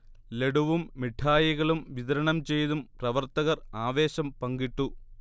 ലഡുവും മിഠായികളും വിതരണംചെയ്തും പ്രവർത്തകർ ആവേശം പങ്കിട്ടു